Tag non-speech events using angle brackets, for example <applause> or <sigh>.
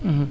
<hesitation> <hesitation>